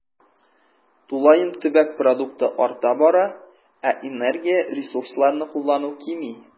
Тулаем төбәк продукты арта бара, ә энергия, ресурсларны куллану кими.